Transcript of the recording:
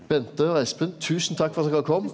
Bente og Espen tusen takk for at dokker kom.